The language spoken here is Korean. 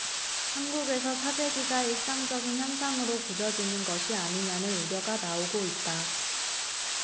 한국에서 사재기가 일상적 현상으로 굳어지는 것이 아니냐는 우려가 나오고 있다